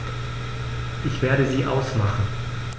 Ich werde sie ausmachen.